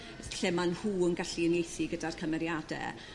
lle ma' nhw yn gallu unieithu gyda'r cymeriade